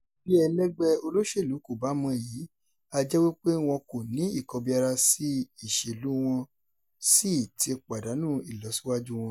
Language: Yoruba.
Bí ẹlẹ́gbẹ́ olóṣèlú kò bá mọ èyí, a jẹ́ wípé wọn kò ní ìkọbiarasí ìṣèlú wọ́n sì ti pàdánù ìlọsíwájúu wọn.